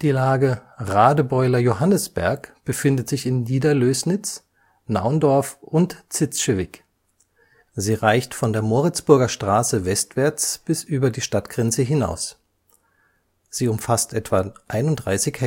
Lage Radebeuler Johannisberg befindet sich in Niederlößnitz, Naundorf und Zitzschewig. Sie reicht von der Moritzburger Straße westwärts bis über die Stadtgrenze hinaus. Sie umfasst etwa 31